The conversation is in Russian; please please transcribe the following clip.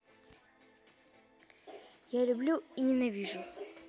я люблю и ненавижу